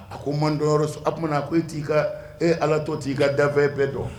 A ko n man dɔwyɔrɔ sɔrɔ o kuma ko e ti ka e ala tɔ ti ka dafɛn bɛɛ dɔn.